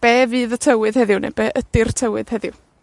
be' fydd y tywydd heddiw? Ne' be' ydi'r tywydd heddiw?